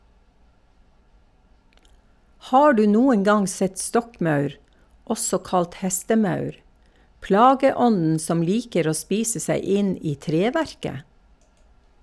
Har du noen gang sett stokkmaur, også kalt hestemaur, plageånden som liker å spise seg inn i treverket?